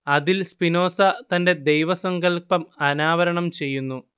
അതിൽ സ്പിനോസ തന്റെ ദൈവസങ്കല്പം അനാവരണം ചെയ്യുന്നു